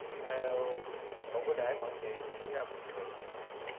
theo cậu cứ để mọi chuyện diễn ra bình thường thôi